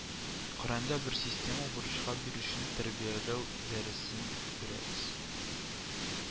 Коръәндә бер система бурычка бирүчене тәрбияләү дәресен күрәбез